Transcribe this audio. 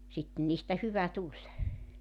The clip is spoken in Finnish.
sitten niistä hyvä tuli